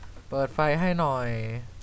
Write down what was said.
เปิดไฟให้หน่อย